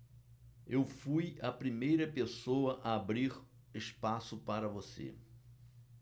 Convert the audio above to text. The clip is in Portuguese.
eu fui a primeira pessoa a abrir espaço para você